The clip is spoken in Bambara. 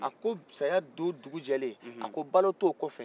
a ko saya don dugujɛlɛ a ko balo t'o kɔfɛ